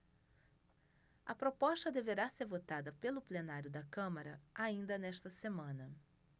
a proposta deverá ser votada pelo plenário da câmara ainda nesta semana